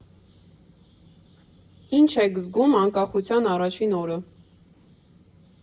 ֊Ի՞նչ եք զգում անկախության առաջին օրը։